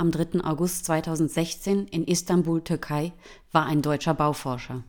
3. August 2016 in Istanbul, Türkei) war ein deutscher Bauforscher